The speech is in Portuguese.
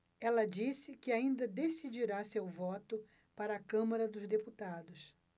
ela disse que ainda decidirá seu voto para a câmara dos deputados